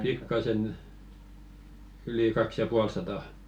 pikkaisen yli kaksi ja puoli sataa